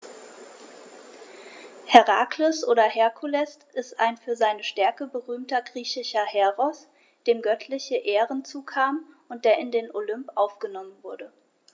Herakles oder Herkules ist ein für seine Stärke berühmter griechischer Heros, dem göttliche Ehren zukamen und der in den Olymp aufgenommen wurde.